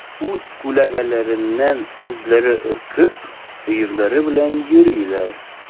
Үз күләгәләреннән үзләре өркеп, өерләре белән йөриләр.